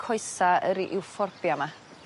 coesa yr i euphorbia 'ma.